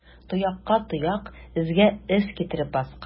Тоякка тояк, эзгә эз китереп баскан.